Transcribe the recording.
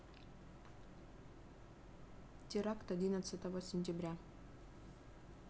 теракт одиннадцатого сентября